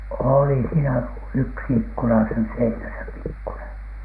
oli siinä yksi ikkuna siinä seinässä pikkunen